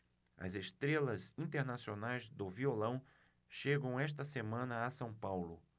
as estrelas internacionais do violão chegam esta semana a são paulo